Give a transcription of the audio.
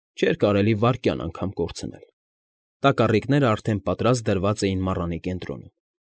Չէր կարետլի վայրկյան անգամ կորցնել։ Տակառիկներն արդեն պատրաստ դրված էին մառանի կենտրոնում։